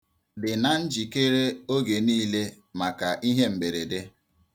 Dị na njikere oge niile maka ihe mberede.